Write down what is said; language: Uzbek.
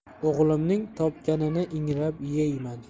o'g'limning topganini ingrab yeyman